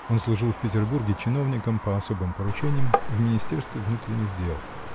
Он служил в Петербурге чиновником по особым поручениям в министерстве внутренних дел.